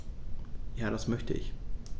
Ja, das möchte ich.